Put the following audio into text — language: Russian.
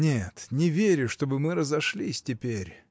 Нет, не верю, чтобы мы разошлись теперь.